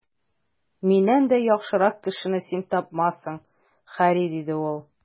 Миннән дә яхшырак кешене син тапмассың, Һарри, - диде ул.